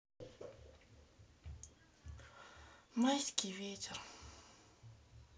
майский ветер